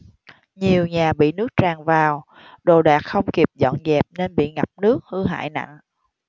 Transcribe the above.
nhiều nhà bị nước tràn vào đồ đạc không kịp dọn dẹp nên bị ngập nước hư hại nặng